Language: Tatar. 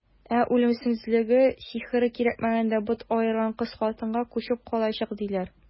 Ә үлемсезлеге, сихере кирәкмәгәндә бот аерган кыз-хатынга күчеп калачак, диләр.